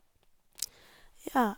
Ja.